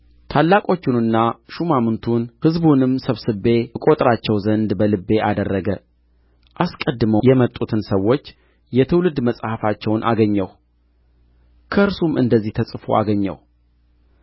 ታላቆቹንና ሹማምቱን ሕዝቡንም ሰብስቤ እቈጥራቸው ዘንድ በልቤ አደረገ አስቀድመው የመጡትን ሰዎች የትውልድ መጽሐፋቸውን አገኘሁ በእርሱም እንደዚህ ተጽፎ አገኘሁ